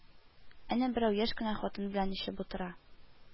Әнә берәү яшь кенә хатын белән эчеп утыра